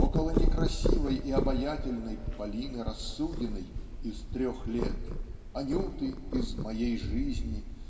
около некрасивой и обаятельной Полины Рассудиной из "Трех лет" Анюты из "Моей жизни"